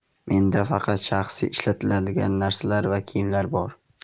menda faqat shaxsiy ishlatiladigan narsalar va kiyimlar bor